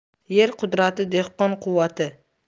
yer qudrati dehqon quvvati